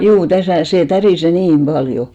juu tässä se tärisee niin paljon